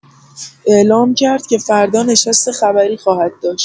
اعلام کرد که فردا نشست خبری خواهد داشت.